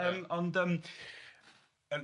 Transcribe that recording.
Yym ond yym yn